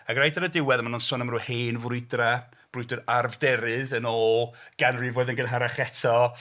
Ac reit ar y diwedd, maen nhw'n sôn am ryw hen frwydrau. Brwydr Arfderydd Yn ôl ganrifoedd yn gynharach eto.